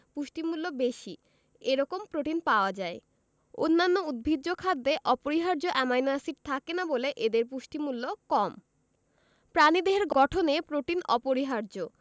পুষ্টিমূল্য বেশি এরকম প্রোটিন পাওয়া যায় অন্যান্য উদ্ভিজ্জ খাদ্যে অপরিহার্য অ্যামাইনো এসিড থাকে না বলে এদের পুষ্টিমূল্য কম প্রাণীদেহের গঠনে প্রোটিন অপরিহার্য